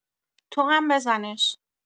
توام بزنش